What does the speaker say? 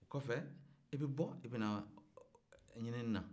o kɔfɛ i bɛ bɔ i bɛ na ɲinini na